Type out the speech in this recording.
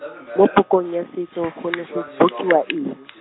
mo pokong ya setso go ne go bokiwa eng?